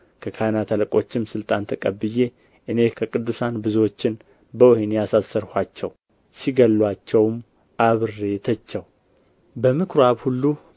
ከካህናት አለቆችም ሥልጣን ተቀብዬ እኔ ከቅዱሳን ብዙዎችን በወኅኒ አሳሰርኋቸው ሲገድሉአቸውም አብሬ ተቸሁ በምኵራብም ሁሉ